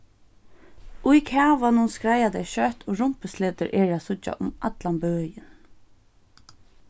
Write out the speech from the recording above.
í kavanum skreiða tey skjótt og rumpusletur eru at síggja um allan bøin